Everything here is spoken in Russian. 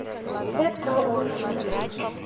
это ужасы